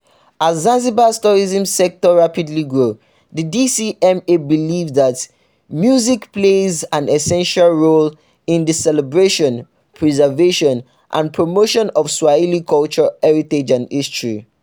As Zanzibar’s tourism sector rapidly grows, the DCMA believes that music plays an essential role in the celebration, preservation and promotion of Swahili culture, heritage and history.